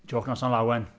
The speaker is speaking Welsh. Jôc noson lawen.